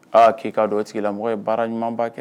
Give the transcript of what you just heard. Aa k'i k'a don o sigi la mɔgɔ ye baara ɲuman' kɛ